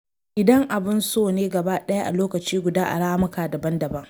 Idan abin so ne gaba ɗaya a lokaci guda a ramuka daban-daban.